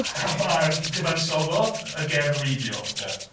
Y bardd gyfansoddodd y gerdd wreiddiol...